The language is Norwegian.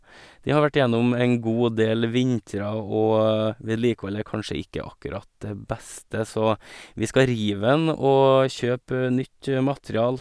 Den har vært gjennom en god del vintre og vedlikeholdet er kanskje ikke akkurat det beste, så vi skal rive den og kjøpe nytt materiale.